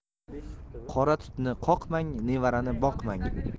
qora tutni qoqmang nevarani boqmang